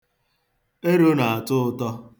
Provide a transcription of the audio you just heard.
Ero na-atọ ụtọ.